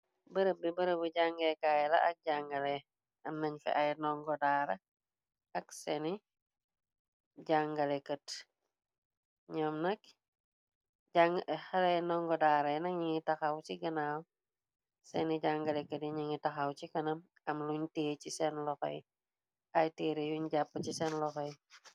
Bërëb bi bërebu jàngeekaay la ak jàngale am nañ fe ay ndongo dara ak seeni jàngalekat ñoom nag xaleyi ndongo daaray nan taxaw ci ganaaw seeni jàngalekët yi ñangi taxaw ci kanam am luñ tée ci seen loxoy ay téire yuñ jàpp ci seen loxo.